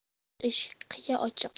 eshik qiya ochiq